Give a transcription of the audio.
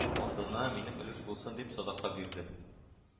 Фондына минем өлеш булсын дип, садака бирде